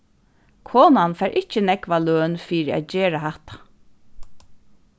konan fær ikki nógva løn fyri at gera hatta